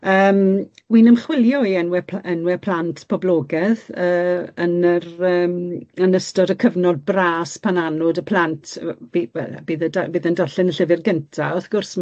Yym, wi'n ymchwilio i enwe ply- enwe plant poblogedd yy yn yr yym yn ystod y cyfnod bras pan annwd y plant yy by- wel bydd y- da- fydd e'n darllen y llyfyr gynta, wrth gwrs